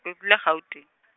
ke dula Gauteng .